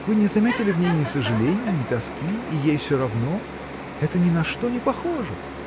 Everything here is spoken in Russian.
– Вы не заметили в ней ни сожаления, ни тоски? ей все равно? Это ни на что не похоже!